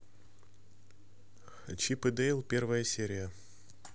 чип и дейл первая серия